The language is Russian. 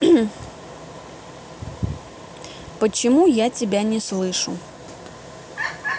почему я тебя не слышу